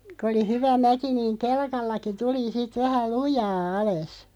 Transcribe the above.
kun oli hyvä mäki niin kelkallakin tuli sitten vähän lujaa alas